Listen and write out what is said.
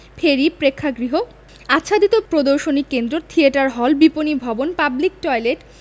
ফেরি প্রেক্ষাগ্রহ আচ্ছাদিত প্রদর্শনী কেন্দ্র থিয়েটার হল বিপণী ভবন পাবলিক টয়েলেট